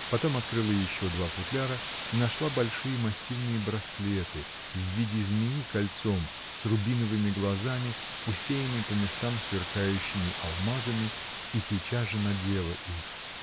Потом открыла еще два футляра и нашла большие массивные браслеты в виде змеи кольцом с рубиновыми глазами, усеянной по местам сверкающими алмазами, и сейчас же надела их.